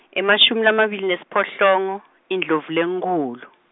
emashumi lamabili nesiphohlongo, iNdlovulenkhulu.